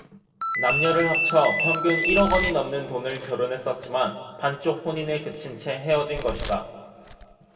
남녀를 합쳐 평균 일 억원이 넘는 돈을 결혼에 썼지만 반쪽 혼인에 그친 채 헤어진 것이다